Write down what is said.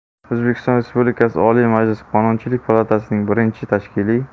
o'zbekiston respublikasi oliy majlisi qonunchilik palatasining birinchi tashkiliy